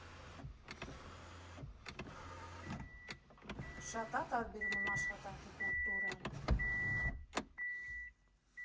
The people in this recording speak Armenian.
Շատ ա՞ տարբերվում աշխատանքի կուլտուրան։